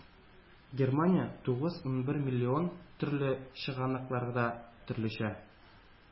Германия – тугыз-унбер миллион төрле чыганакларда төрлечә